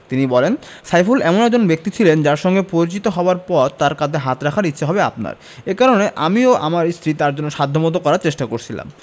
তিনি বলেন সাইফুল এমন একজন ব্যক্তি ছিলেন যাঁর সঙ্গে পরিচিত হওয়ার পর তাঁর কাঁধে হাত রাখার ইচ্ছা হবে আপনার এ কারণেই আমি ও আমার স্ত্রী তাঁর জন্য সাধ্যমতো করার চেষ্টা করেছিলাম